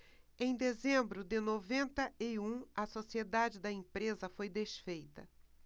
em dezembro de noventa e um a sociedade da empresa foi desfeita